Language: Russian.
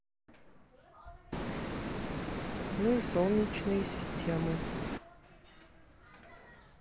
ну и солнечные системы